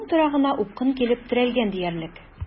Аның торагына упкын килеп терәлгән диярлек.